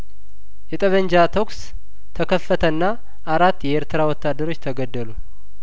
የጠመንጃ ተኩስ ተከፈተና አራት የኤርትራ ወታደሮች ተገደሉ